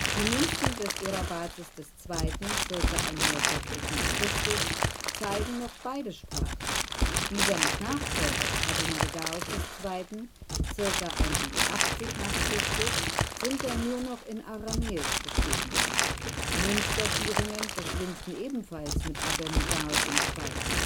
Die Münzen des Orabazes II. (ca. 160 n. Chr.) zeigen noch beide Sprachen, die seines Nachfolgers Abinergaos II. (ca. 180 n. Chr.) sind dann nur noch in aramäisch beschrieben. Münzdatierungen verschwinden ebenfalls mit Abinergaos II